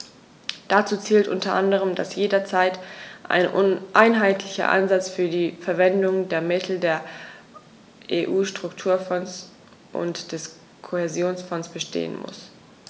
Dazu zählt u. a., dass jederzeit ein einheitlicher Ansatz für die Verwendung der Mittel der EU-Strukturfonds und des Kohäsionsfonds bestehen muss.